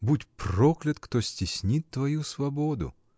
Будь проклят, кто стесни твою свободу.